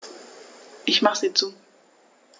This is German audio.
Ich mache sie zu.